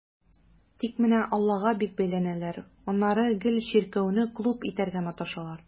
Тик менә аллага бик бәйләнәләр, аннары гел чиркәүне клуб итәргә маташалар.